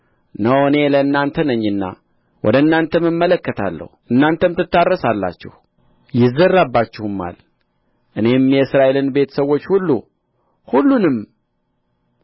እነሆ እኔ ለእናንተ ነኝና ወደ እናንተም እመለከታለሁ እናንተም ትታረሳላችሁ ይዘራባችሁማል እኔም የእስራኤልን ቤት ሰዎች ሁሉ ሁሉንም